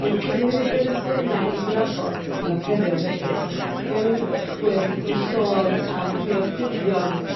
Ond cyn i ni fynd yn 'yn blaenau i drafod materion felly be am i ni gychwyn drw sôn am rhai o'r buddion